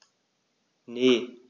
Ne.